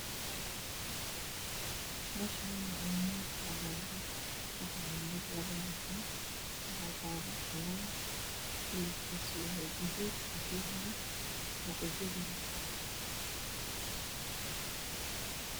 Waa miis cadaan ah waxaa saaran labo gacan waxaa saaran cilaan gaduud ah cidiyahana waa gaduud.